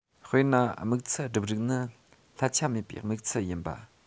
དཔེར ན དམིགས ཚད བསྒྲུབས རིགས ནི ལྷད ཆ མེད པའི དམིགས ཚད ཡིན པ